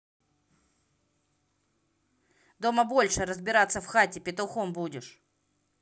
дома больше разбираться в хате петухом будешь